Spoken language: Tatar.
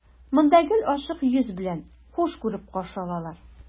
Монда гел ачык йөз белән, хуш күреп каршы алалар.